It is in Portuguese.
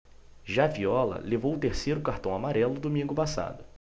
já viola levou o terceiro cartão amarelo domingo passado